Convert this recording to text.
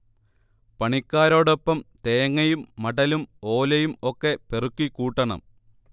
പണിക്കാരോടൊപ്പം തേങ്ങയും മടലും ഓലയും ഒക്കെ പെറുക്കി കൂട്ടണം